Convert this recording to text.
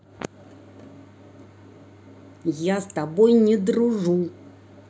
я с тобой не дружу